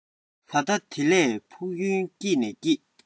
ད ལྟ དེ ལས ཕུགས ཡུལ སྐྱིད ནས སྐྱིད